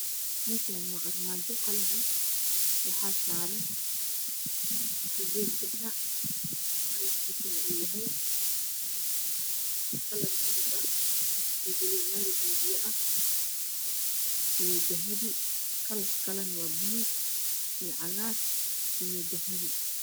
Meshan Armajo qalinah waxa saran sided gasac ah kalarkisuna yahay kalarbulugah iyo bulugmari obiyobiyo ah iyo dahabi kalarka kalana waa baluug iyo cagar iyo dahabi